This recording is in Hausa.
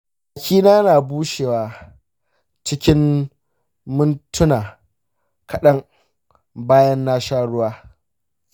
bakina yana bushewa cikin mintuna kaɗan bayan na sha ruwa.